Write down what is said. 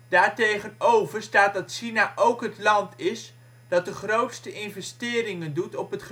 Daar tegenover staat dat China ook het land is dat de grootste investeringen doet op het gebied